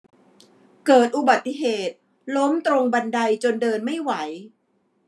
เกิดอุบัติเหตุล้มตรงบันไดจนเดินไม่ไหว